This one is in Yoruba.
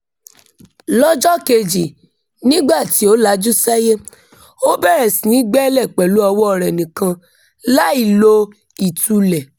Lọ́jọ́ kejì, nígbà tí ó lajú sáyé, ó bẹ̀rẹ̀ síí gbẹ́lẹ̀ pẹ̀lú ọwọ́ọ rẹ̀ nìkan láì lo ìtúlẹ̀.